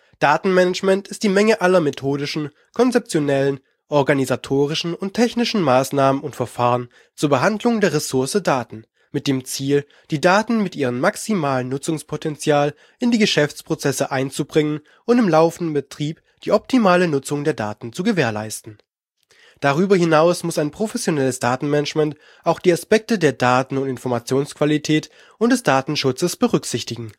Datenmanagement ist die Menge aller methodischen, konzeptionellen, organisatorischen und technischen Maßnahmen und Verfahren zur Behandlung der Ressource Daten mit dem Ziel, die Daten mit ihrem maximalen Nutzungspotenzial in die Geschäftsprozesse einzubringen und im laufenden Betrieb die optimale Nutzung der Daten zu gewährleisten. Darüber hinaus muss ein professionelles Datenmanagement auch die Aspekte der Daten -/ Informationsqualität und des Datenschutzes berücksichtigen